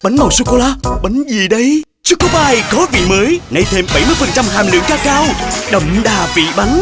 bánh màu sô cô la bánh gì đây chô cô pai có vị mới nay thêm bảy mươi phần trăm hàm lượng ca cao đậm đà vị bánh